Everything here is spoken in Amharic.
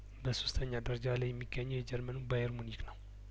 በሶስተኛ ደረጃ ላይ የሚገኘው የጀርመኑ ባየር ሙኒክ ነው